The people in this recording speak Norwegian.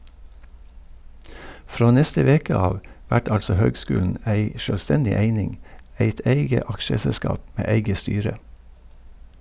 Frå neste veke av vert altså høgskulen ei sjølvstendig eining, eit eige aksjeselskap med eige styre.